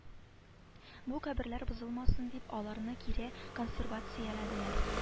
Бу каберләр бозылмасын дип аларны кире консервацияләделәр